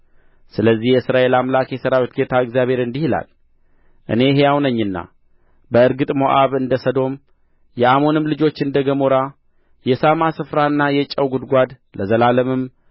ስለዚህ የእስራኤል አምላክ የሠራዊት ጌታ እግዚአብሔር እንዲህ ይላል እኔ ሕያው ነኝና በእርግጥ ሞዓብ እንደ ሰዶም የአሞንም ልጆች እንደ ገሞራ የሳማ ስፍራና የጨው ጕድጓድ ለዘላለምም